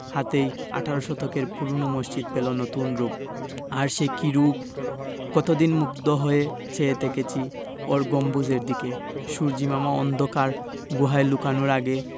হাতেই আঠারো শতকের পুরোনো মসজিদ পেলো নতুন রুপ আর সে কি রুপ কতদিন মুগ্ধ হয়ে চেয়ে থেকেছি ওর গম্বুজের দিকে সূর্য্যিমামা অন্ধকার গুহায় লুকানোর আগে